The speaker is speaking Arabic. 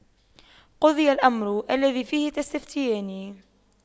قُضِيَ الأَمرُ الَّذِي فِيهِ تَستَفِتيَانِ